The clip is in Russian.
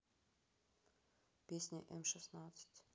песня м шестнадцать